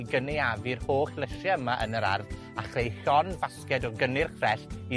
i gynaeafu'r holl lysie yma yn yr ardd a chreu llon basged o gynnyrch ffres i...